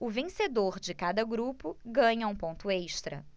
o vencedor de cada grupo ganha um ponto extra